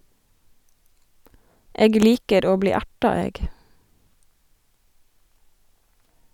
Eg liker å bli erta, eg.